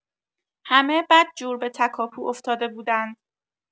همه بدجور به تکاپو افتاده بودند.